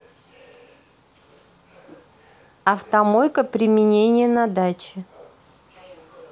автомойка применение на даче